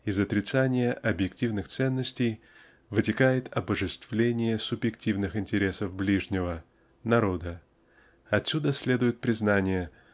из отрицания объективных ценностей вытекает обожествление субъективных интересов ближнего ("народа") отсюда следует признание